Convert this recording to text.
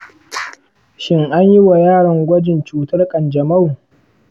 shin an yi wa yaron gwajin cutar ƙanjamau?